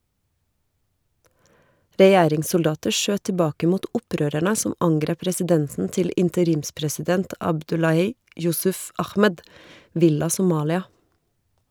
Regjeringssoldater skjøt tilbake mot opprørerne som angrep residensen til interimspresident Abdullahi Yusuf Ahmed, Villa Somalia.